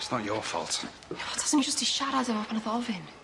It's not your fault. O taswn i jyst 'di siarad efo fo pan nath o ofyn.